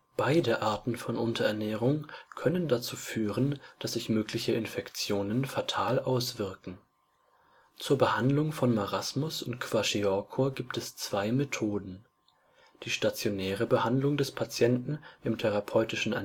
Beide Arten von Unterernährung können dazu führen, dass sich mögliche Infektionen fatal auswirken. Zur Behandlung von Marasmus und Kwashiorkor gibt es zwei Methoden: die stationäre Behandlung des Patienten im therapeutischen